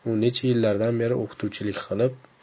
u necha yillardan beri o'qituvchilik qilib